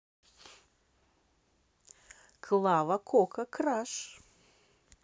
клава кока краш